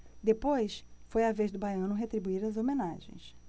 depois foi a vez do baiano retribuir as homenagens